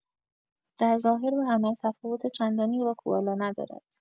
در ظاهر و عمل تفاوت چندانی با کوالا ندارد.